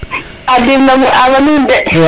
Khadim nam ama nuun de